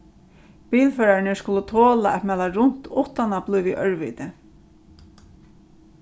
bilførararnir skulu tola at mala runt uttan at blíva í ørviti